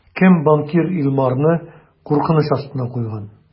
Кем банкир Илмарны куркыныч астына куйган?